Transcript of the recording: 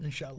insaa àllaa